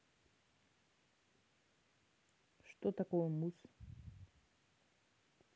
что такое муз